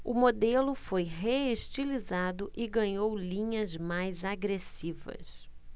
o modelo foi reestilizado e ganhou linhas mais agressivas